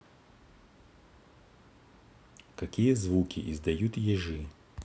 какие звуки издают ежи